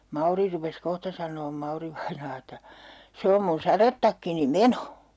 Mauri rupesi kohta sanomaan Mauri-vainaa että se on minun sadetakkini meno